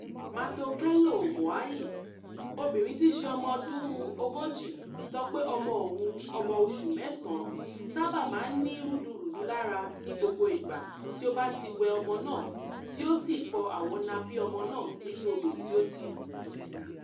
Matokelo Moahl, obìnrin tí í ṣe ọmọ ọdún 40, sọ pé ọmọ-ọmọ òun, ọmọ oṣù mẹ́sàn-án, sábà máa ń ní rúdurùdu lára ní gbogbo ìgbà tí ó bá ti wẹ ọmọ náà tí ó sì fọ àwọn napí ọmọ náà nínú odò tí ó ti dọ̀tí.